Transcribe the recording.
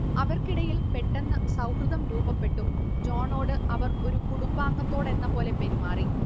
അവർക്കിടയിൽ പെട്ടെന്ന് സൗഹൃദം രൂപപ്പെട്ടു ജോണോട് അവർഒരു കുടുംബാംഗത്തോടെന്നപോലെ പെരുമാറി